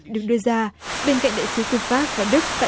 được đưa ra bên cạnh đại sứ của pháp và đức tại